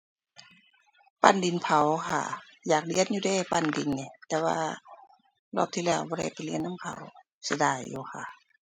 ปั้นดินเผาค่ะ อยากเรียนอยู่เดะปั้นดินนี่ แต่ว่ารอบที่แล้วบ่ได้ไปเรียนนำเขา เสียดายอยู่ค่ะ